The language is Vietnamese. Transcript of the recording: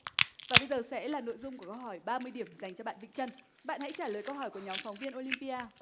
và bây giờ sẽ là nội dung của câu hỏi ba mươi điểm dành cho bạn vĩnh chân bạn hãy trả lời câu hỏi của nhóm phóng viên ô lim pi a